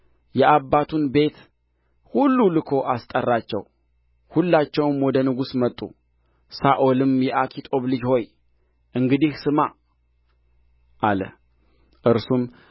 የአባቱን ቤት ሁሉ ልኮ አስጠራቸው ሁላቸውም ወደ ንጉሡ መጡ ሳኦልም የአኪጦብ ልጅ ሆይ እንግዲህ ስማ አለ እርሱም